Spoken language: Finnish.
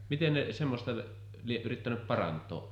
miten ne semmoista lie yrittänyt parantaa